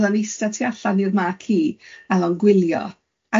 Oedd o'n ista tu allan i'r marci a o'dd o'n gwylio.